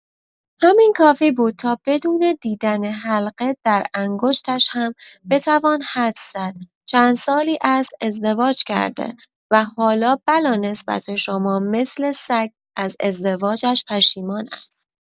همین کافی بود تا بدون دیدن حلقه در انگشتش هم بتوان حدس زد چند سالی است ازدواج کرده و حالا بلانسبت شما مثل سگ از ازدواجش پشیمان است.